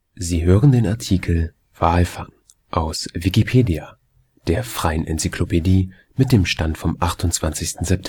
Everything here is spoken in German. Sie hören den Artikel Walfang, aus Wikipedia, der freien Enzyklopädie. Mit dem Stand vom Der